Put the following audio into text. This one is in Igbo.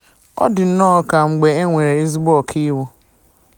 Ọ dị nnọ, ka mgbe e nwere ezigbo ọkaiwu.